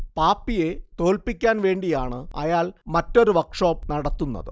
പാപ്പിയെ തോൽപ്പിക്കാൻ വേണ്ടിയാണ് അയാൾ മറ്റൊരു വർക്ക്ഷോപ്പ് നടത്തുന്നത്